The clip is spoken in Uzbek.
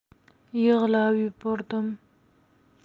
yig'lab yubordim